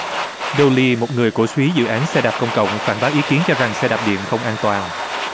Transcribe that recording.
đô li một người cổ súy dự án xe đạp công cộng phản bác ý kiến cho rằng xe đạp điện không an toàn